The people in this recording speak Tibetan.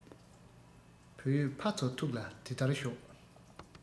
བུ ཡོད ཕ ཚོ ཐུགས ལ དེ ལྟར ཞོག